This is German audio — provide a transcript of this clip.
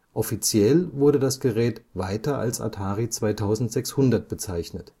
Offiziell wurde das Gerät weiter als Atari 2600 bezeichnet